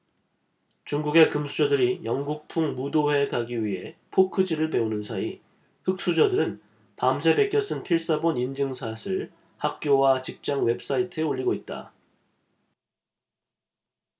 중국의 금수저들이 영국풍 무도회에 가기 위해 포크질을 배우는 사이 흑수저들은 밤새 베껴 쓴 필사본 인증샷을 학교와 직장 웹사이트에 올리고 있다